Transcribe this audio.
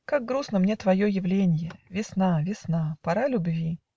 Как грустно мне твое явленье, Весна, весна! пора любви!